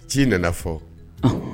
Ci nana fɔ